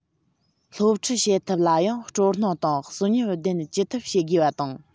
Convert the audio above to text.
སློབ ཁྲིད བྱེད ཐབས ལ ཡང སྤྲོ སྣང དང གསོན ཉམས ལྡན ཅི ཐུབ བྱེད དགོས པ དང